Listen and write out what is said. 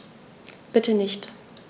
Bitte nicht.